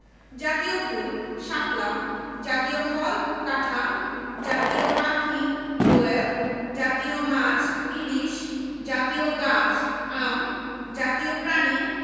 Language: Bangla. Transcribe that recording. ঈদুল ফিত্ র ঈদুল আযহা শবে বরআত শবে কদর ঈদে মীলাদুননবী মুহররম ইত্যাদি মুসলমানদের প্রধান ধর্মীয় উৎসব দুর্গাপূজা কালীপূজা